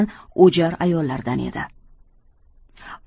ayollardan edi